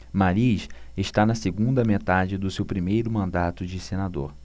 mariz está na segunda metade do seu primeiro mandato de senador